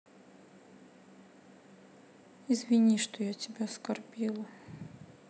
извини что я тебя оскорбила